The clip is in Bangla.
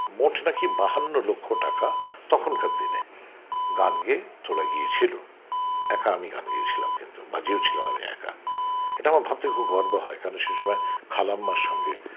মোট নাকি 52 লক্ষ টাকা তখনকার দিনে গান গেয়ে তোলা গিয়েছিল একা আমি গান গেয়েছিলাম কিন্তু বাজিয়েও ছিলাম আমি একা এটা আমার ভাবতে খুব গর্ব হয় কারণ সে সময় খালাম্মার সঙ্গে